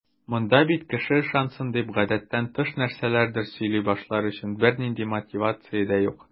Монда бит кеше ышансын дип, гадәттән тыш нәрсәләрдер сөйли башлар өчен бернинди мотивация дә юк.